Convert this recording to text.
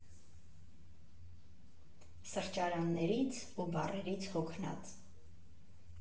Սրճարաններից ու բարերից հոգնած։